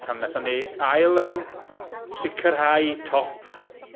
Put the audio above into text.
Wnaethon ni ail yym sicrhau top...